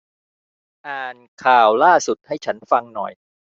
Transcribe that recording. อ่านข่าวล่าสุดให้ฉันฟังหน่อย